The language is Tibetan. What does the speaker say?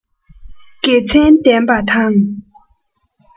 དགེ ཚན ལྟན པ དང